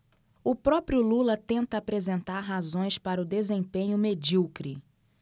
o próprio lula tenta apresentar razões para o desempenho medíocre